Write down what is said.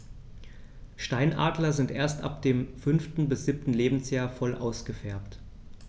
Steinadler sind erst ab dem 5. bis 7. Lebensjahr voll ausgefärbt.